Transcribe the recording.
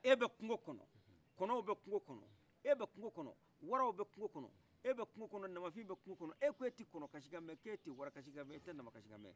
e bɛ kungo kɔnɔ kɔnɔw bɛ kungo kɔnɔ e bɛ kungo kɔnɔ waraw bɛ kungo kɔnɔ e bɛ kungo kɔnɔ namafin bɛ kungo kɔnɔ e k' e ti kɔnɔ kasi kan mɛ k'e ti wara kasi kan mɛn i te nama kasi kan mɛn